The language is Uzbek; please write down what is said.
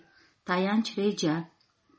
tayanch reja